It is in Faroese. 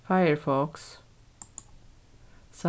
firefox